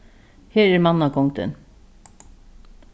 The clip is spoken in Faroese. her er mannagongdin